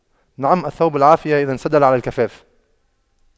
نعم الثوب العافية إذا انسدل على الكفاف